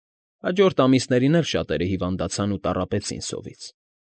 Հաջորդ ամիսներին էլ շատերը հիվանդացան ու տառապեցին սովից։